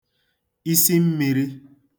isi mmīrī